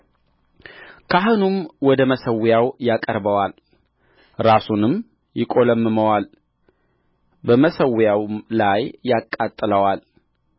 ካህኑም ወደ መሠዊያው ያቀርበዋል ራሱንም ይቈለምመዋል በመሠዊያውም ላይ ያቃጥለዋል